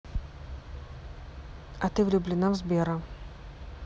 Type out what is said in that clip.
а ты влюблена в сбера